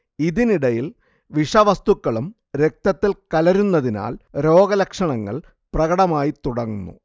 ഇതിനിടയിൽ വിഷവസ്തുക്കളും രക്തത്തിൽ കലരുന്നതിനാൽ രോഗലക്ഷണങ്ങൾ പ്രകടമായിത്തുടങ്ങുന്നു